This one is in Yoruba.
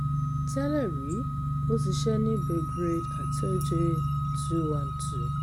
Tẹ́lẹ̀ rí, ó ṣiṣẹ́ ní Belgrade Atelje 212.